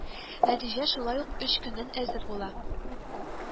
Нәтиҗә шулай ук өч көннән әзер була